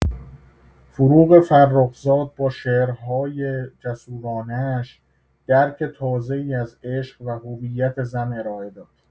فروغ فرخزاد با شعرهای جسورانه‌اش درک تازه‌ای از عشق و هویت زن ارائه داد.